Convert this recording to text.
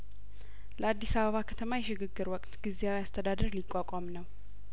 ለአዲስ አበባ ከተማ የሽግግር ወቅት ጊዜያዊ አስተዳደር ሊቋቋም ነው